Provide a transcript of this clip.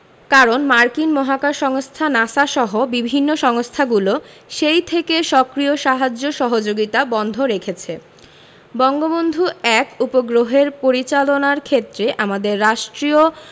কারণ মার্কিন মহাকাশ সংস্থা নাসা সহ বিদেশি সংস্থাগুলো সেই থেকে সক্রিয় সাহায্য সহযোগিতা বন্ধ রেখেছে বঙ্গবন্ধু ১ উপগ্রহের পরিচালনার ক্ষেত্রে আমাদের রাষ্ট্রীয়